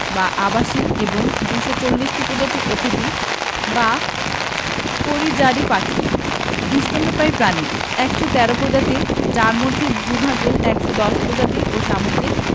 বা আবাসিক এবং ২৪০ টি প্রজাতি অতিথি বা পরিযারি পাখি স্তন্যপায়ী প্রাণী ১১৩ প্রজাতির যার মধ্যে ভূ ভাগের ১১০ প্রজাতি ও সামুদ্রিক